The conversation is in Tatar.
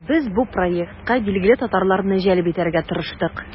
Без бу проектка билгеле татарларны җәлеп итәргә тырыштык.